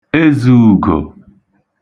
Ezūùgò